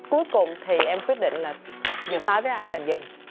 cuối cùng thì em quyết định là vẫn nói với anh là dừng